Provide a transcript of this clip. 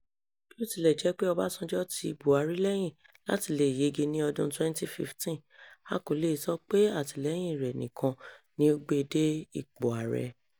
Bí ó ti lẹ̀ jé pé Ọbásanjọ́ ti Buhari lẹ́yìn láti leè yege ní ọdún 2015, a kò leè sọ pé àtìlẹyìn rẹ̀ nìkan ni ó gbé e dé ipò Ààrẹ.